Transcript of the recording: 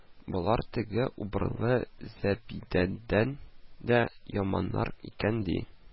Болар теге убырлы Зәбидәдән дә яманнар икән, ди